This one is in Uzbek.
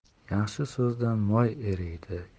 yaxshi so'zdan moy eriydi